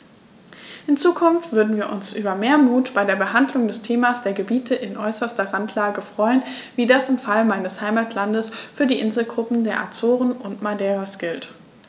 In Zukunft würden wir uns über mehr Mut bei der Behandlung des Themas der Gebiete in äußerster Randlage freuen, wie das im Fall meines Heimatlandes für die Inselgruppen der Azoren und Madeiras gilt.